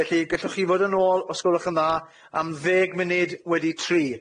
Felly gellwch chi fod yn ôl os gwelwch yn dda am ddeg munud wedi tri.